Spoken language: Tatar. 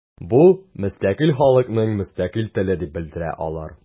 Бу – мөстәкыйль халыкның мөстәкыйль теле дип белдерә алар.